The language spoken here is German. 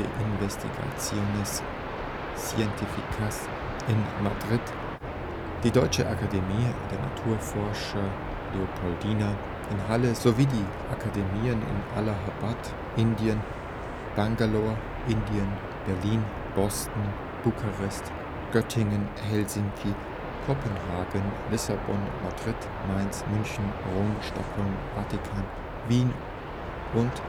Investigaciones Científicas in Madrid, die Deutsche Akademie der Naturforscher Leopoldina in Halle sowie die Akademien in Allahabad (Indien), Bangalore (Indien), Berlin, Boston (USA), Bukarest, Göttingen, Helsinki, Kopenhagen, Lissabon, Madrid, Mainz, München, Rom, Stockholm, Vatikan, Wien –